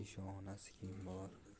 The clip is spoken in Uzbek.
peshonasi keng bo'lar